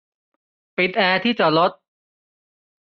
ปิดแอร์ที่จอดรถ